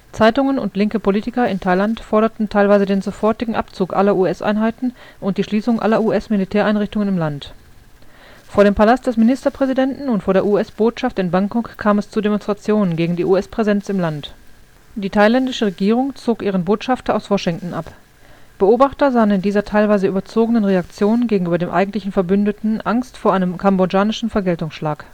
Zeitungen und linke Politiker in Thailand forderten teilweise den sofortigen Abzug aller US-Einheiten und die Schließung aller US-Militäreinrichtungen im Land. Vor dem Palast des Ministerpräsidenten und vor der US-Botschaft in Bangkok kam es zu Demonstrationen gegen die US-Präsenz im Land. Die thailändische Regierung zog ihren Botschafter aus Washington ab. Beobachter sahen in dieser teilweise überzogenen Reaktion gegenüber dem eigentlichen Verbündeten Angst vor einem kambodschanischen Vergeltungsschlag